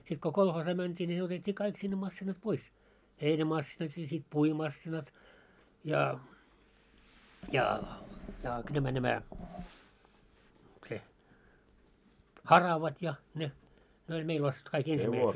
sitten kun kolhoosiin mentiin niin ne otettiin kaikki sinne masiinat pois heinämasiinat ja sitten puimamasiinat ja ja ja - nämä nämä se haravat ja ne ne oli meillä ostettu kaikki -